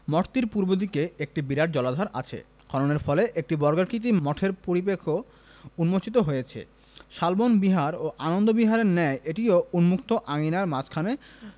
মঠটির পূর্বদিকে একটি বিরাট জলাধার আছে খননের ফলে একটি বর্গাকৃতি মঠের পরিরেখ উন্মোচিত হয়েছে শালবন বিহার ও আনন্দ বিহারের ন্যায় এটিও উন্মুক্ত আঙিনার মাঝখানে